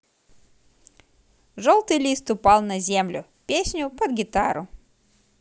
желтый лист упал на землю песню под гитару